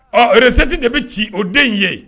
Ɔ rezti de bɛ ci o den in ye